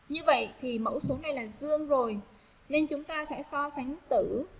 như vậy thì mẫu xuống đây là dương rồi nên chúng ta sẽ so sánh tử